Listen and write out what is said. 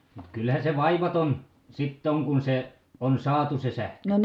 mutta kyllähän se vaivaton sitten on kun se on saatu se sähkö